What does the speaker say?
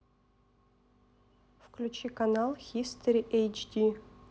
включи канал хистори эйч ди